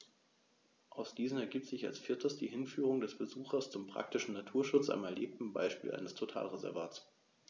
Aus diesen ergibt sich als viertes die Hinführung des Besuchers zum praktischen Naturschutz am erlebten Beispiel eines Totalreservats.